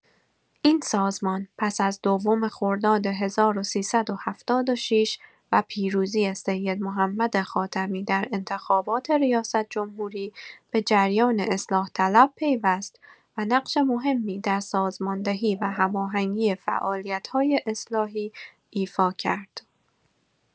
این سازمان پس از دوم خرداد ۱۳۷۶ و پیروزی سیدمحمد خاتمی در انتخابات ریاست‌جمهوری، به جریان اصلاح‌طلب پیوست و نقش مهمی در سازماندهی و هماهنگی فعالیت‌های اصلاحی ایفا کرد.